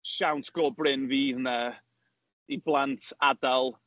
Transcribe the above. Siawns go brin fydd 'na i blant ardal...